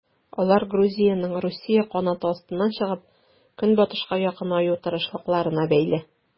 Алар Грузиянең Русия канаты астыннан чыгып, Көнбатышка якынаю тырышлыкларына бәйле.